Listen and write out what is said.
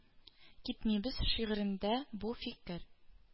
Китмибез шигырендә бу фикер: